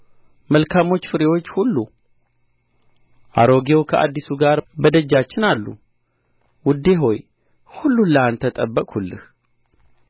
መልካሞች ፍሬዎች ሁሉ አሮጌው ከአዲሱ ጋር በደጃችን አሉ ውዴ ሆይ ሁሉን ለአንተ ጠበቅሁልህ